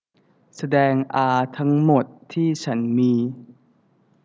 แสดงอาทั้งหมดที่ฉันมี